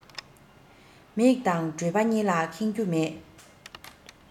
མིག དང གྲོད པ གཉིས ལ ཁེངས རྒྱུ མེད